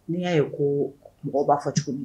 N'i y'a ye ko mɔgɔ b'a fɔ cogo min